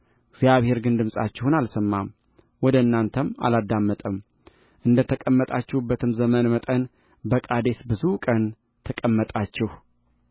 እግዚአብሔር ግን ድምፃችሁን አልሰማም ወደ እናንተም አላዳመጠምእንደ ተቀመጣችሁበትም ዘመን መጠን በቃዴስ ብዙ ቀን ተቀመጣችሁ